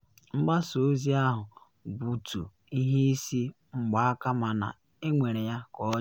Mgbasa ozi ahụ bụtụ ihe isi mgbaka mana enwere ya ka ọ dị.